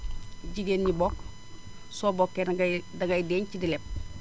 jigéen ñi bokk soo bokkee dangay dangay denc di leb